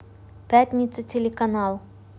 пятница телеканал